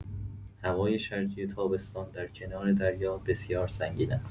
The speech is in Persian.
هوای شرجی تابستان در کنار دریا بسیار سنگین است.